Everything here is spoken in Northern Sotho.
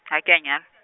ha ke a nyal-.